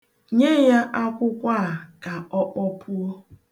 Nye ya akwụkwọ a ka ọ kpọpuo.